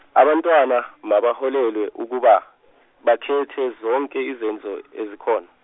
abantwana mabaholwe ukuba, bakhethe zonke izenzo ezikhona.